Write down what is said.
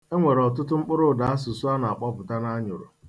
E nwere ọtụtụ mkpụrụụdasụsụ a na-akpọpụta n'anyụrụ.